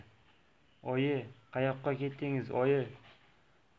oyi qayoqqa ketdidz oyi